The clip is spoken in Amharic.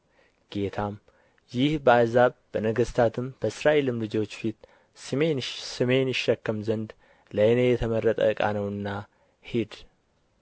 ጌታም ይህ በአሕዛብም በነገሥታትም በእስራኤልም ልጆች ፊት ስሜን ይሸከም ዘንድ ለእኔ የተመረጠ ዕቃ ነውና ሂድ